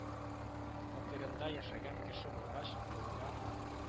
Фатирында яшәгән кеше булгач, кулга